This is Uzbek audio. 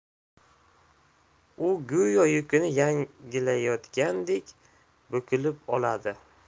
u go'yo yukini yengillatayotgandek bukilib oladi